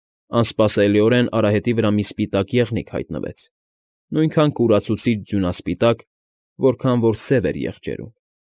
Անսպասելիորեն արահետի վրա մի սպիտակ եղնիկ հայտնվեց, նույնքան կուրացուցիչ ձյունասպիտակ, որքան որ սև էր եղջերուն։